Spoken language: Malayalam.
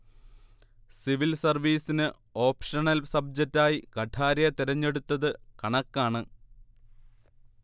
സിവിൽ സർവീസിന് ഓപ്ഷണൽ സബ്ജറ്റായി കഠാരിയ തിരഞ്ഞെടുത്തത് കണക്കാണ്